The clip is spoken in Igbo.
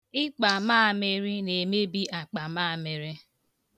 Ịkpa maamịrị na-emebi akpamamịrị.